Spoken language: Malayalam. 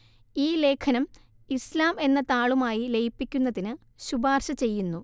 ഈ ലേഖനം ഇസ്ലാം എന്ന താളുമായി ലയിപ്പിക്കുന്നതിന് ശുപാർശ ചെയ്യുന്നു